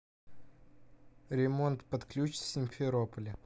ремонт под ключ в симферополе